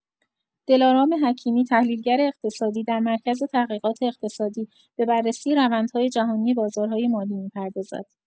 دلارام حکیمی، تحلیلگر اقتصادی، در مرکز تحقیقات اقتصادی به بررسی روندهای جهانی بازارهای مالی می‌پردازد.